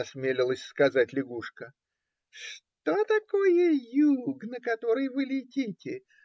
- осмелилась сказать лягушка, - что такое юг, на который вы летите?